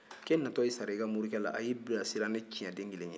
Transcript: k'e natɔ y'i sara i ka morikɛ la a y'i bilasira ni tiɲɛ den kelen ye